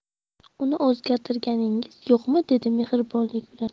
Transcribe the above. uni o'zgartirganingiz yo'qmi dedi mehribonlik bilan